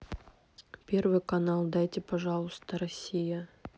первый канал дайте пожалуйста россия